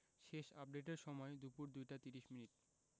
শেষ আপডেটের সময় দুপুর ২টা ৩০ মিনিট